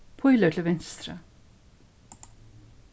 pílur til vinstru